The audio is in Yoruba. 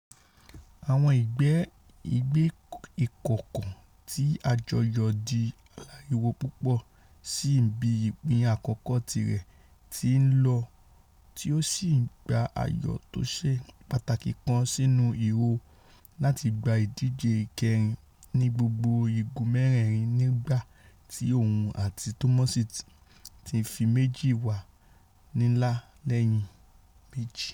Àwọn igbe ìkọ̀ǹkọ̀ ti àjọyọ̀ di aláriwo púpọ̀ síi bí ìpín àkókò tirẹ̀ ti ńlọ, tí ó sì gbá ayò tóṣe pàtàkì kan sínú ihò láti gba ìdíje ìkẹrin ní gbogbo igun mẹ́rẹ̀ẹ̀rin nígbà tí òun àti Thomas ti fi méjì wà nílẹ̀ lẹ́yìn méjì.